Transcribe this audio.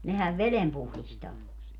nehän veden puhdistaa